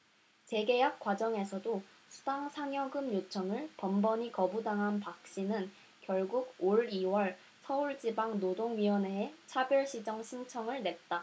재계약 과정에서도 수당 상여금 요청을 번번이 거부당한 박씨는 결국 올 이 월 서울지방노동위원회에 차별시정 신청을 냈다